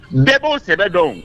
Bɛɛ' kosɛbɛ dɔn